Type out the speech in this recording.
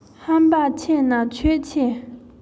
ཧམ པ ཆེ ན ཁྱོད ཆེ